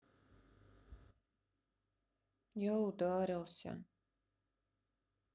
я ударился